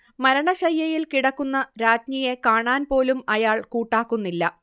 മരണശയ്യയിൽ കിടക്കുന്ന രാജ്ഞിയെ കാണാൻ പോലും അയാൾ കൂട്ടാക്കുന്നില്ല